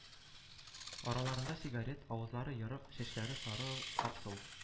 Араларында сигарет, авызлары ерык, чәчләре сары-аксыл,